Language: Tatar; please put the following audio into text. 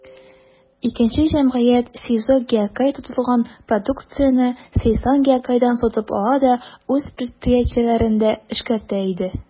Икенче җәмгыять, «Сейзо Гиокай», тотылган продукцияне «Сейсан Гиокайдан» сатып ала да үз предприятиеләрендә эшкәртә иде.